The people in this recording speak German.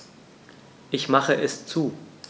Ich mache es zu.